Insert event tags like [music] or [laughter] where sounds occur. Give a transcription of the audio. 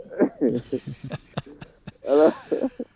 [laughs] ala